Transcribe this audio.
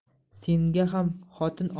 senga ham xotin